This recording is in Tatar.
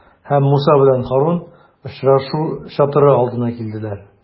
Һәм Муса белән Һарун очрашу чатыры алдына килделәр.